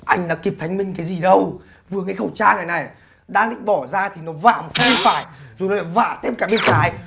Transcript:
anh đã kịp thanh minh cái gì đâu vướng cái khẩu trang này này đang định bỏ ra thì nó vả một phát bên phải rồi nó lại vả thêm cái bên trái